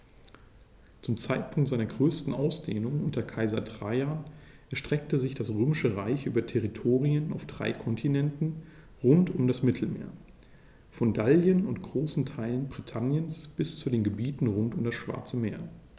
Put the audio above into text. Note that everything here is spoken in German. Zum Zeitpunkt seiner größten Ausdehnung unter Kaiser Trajan erstreckte sich das Römische Reich über Territorien auf drei Kontinenten rund um das Mittelmeer: Von Gallien und großen Teilen Britanniens bis zu den Gebieten rund um das Schwarze Meer.